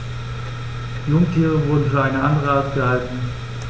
Jungtiere wurden für eine andere Art gehalten.